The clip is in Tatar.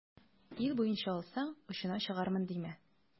Ил буенча алсаң, очына чыгармын димә.